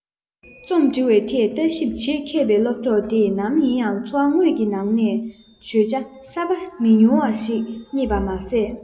རྩོམ འབྲི བའི ཐད ལྟ ཞིབ བྱེད མཁས པའི སློབ གྲོགས དེས ནམ ཡིན ཡང འཚོ བ དངོས ཀྱི ནང ནས བརྗོད བྱ གསར བ མི ཉུང བ ཞིག ཪྙེད པར མ ཟད